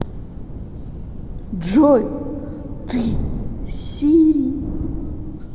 джой ты сири